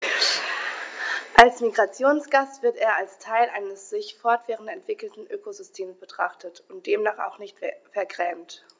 Als Migrationsgast wird er als Teil eines sich fortwährend entwickelnden Ökosystems betrachtet und demnach auch nicht vergrämt.